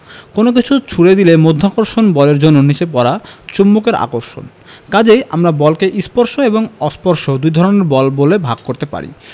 কোনো কিছু ছেড়ে দিলে মাধ্যাকর্ষণ বলের জন্য নিচে পড়া চুম্বকের আকর্ষণ কাজেই আমরা বলকে স্পর্শ এবং অস্পর্শ দুই ধরনের বলে ভাগ করতে পারি